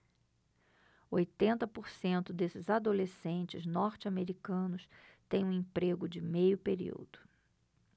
oitenta por cento desses adolescentes norte-americanos têm um emprego de meio período